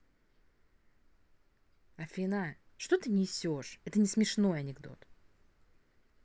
афина что ты несешь это не смешной анекдот